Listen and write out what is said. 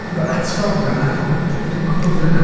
Dwi 'fo atgofion a dwi- dwi'n gwybod bod o 'na.